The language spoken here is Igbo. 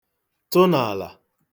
tụ n'àlà